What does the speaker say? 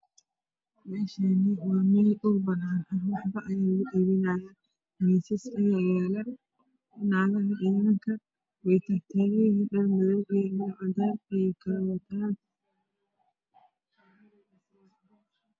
Meeshaan waa meel dhul banaan ah waxba lugu qeybinaa miisas ayaa yaalo. Naagaha iyo Nimanka way taagtaagan yihiin dhar madow iyo dhar cadaan ah ayay kala wataan.